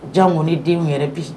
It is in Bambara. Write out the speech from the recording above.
Jaŋo ni den min yɛrɛ bi